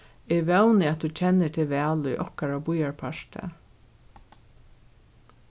eg vóni at tú kennir teg væl í okkara býarparti